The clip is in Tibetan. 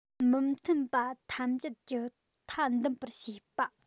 མི མཐུན པ ཐམས ཅད ཀྱི མཐའ འདུམ པར བྱས པ